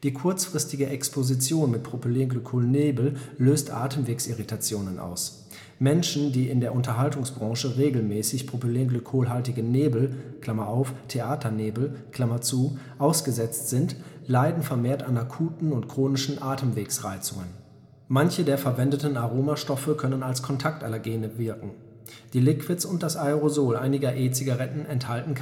kurzfristige Exposition mit Propylenglykol-Nebel löst Atemwegsirritationen aus. Menschen, die in der Unterhaltungsbranche regelmäßig propylenglykolhaltigem Nebel (Theaternebel) ausgesetzt sind, leiden vermehrt an akuten und chronischen Atemwegsreizungen. Manche der verwendeten Aromastoffe können als Kontaktallergene wirken. Die Liquids und das Aerosol einiger E-Zigaretten enthalten